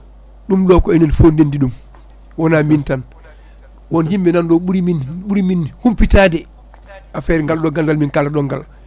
ɗum ɗo ko enen foof ndendi ɗum wona min tan won yimɓe nanɗo ɓuuri min humpitade affaire galɗo gandal min kalataɗo ngal